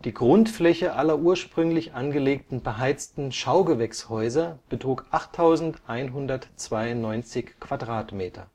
Grundfläche aller ursprünglich angelegten beheizten Schaugewächshäuser betrug 8.192 m²